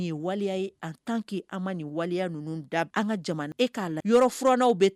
Ka la yɔrɔɔrɔnw bɛ